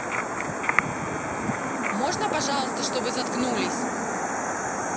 можно пожалуйста чтобы заткнулись